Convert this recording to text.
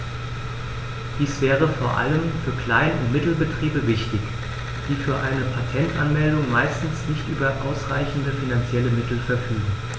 Dies wäre vor allem für Klein- und Mittelbetriebe wichtig, die für eine Patentanmeldung meistens nicht über ausreichende finanzielle Mittel verfügen.